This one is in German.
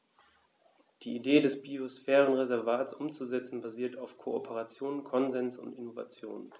Die Idee des Biosphärenreservates umzusetzen, basiert auf Kooperation, Konsens und Innovation.